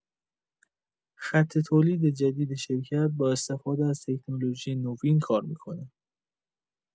خط تولید جدید شرکت، با استفاده از تکنولوژی نوین کار می‌کنه.